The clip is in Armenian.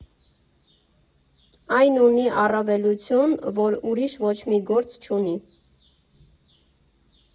Այն ունի առավելություն, որ ուրիշ ոչ մի գործ չունի.